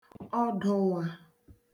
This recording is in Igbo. ọdụ̀ nwa